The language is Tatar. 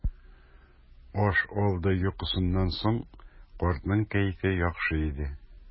Аш алды йокысыннан соң картның кәефе яхшы иде.